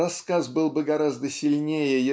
Рассказ был бы гораздо сильнее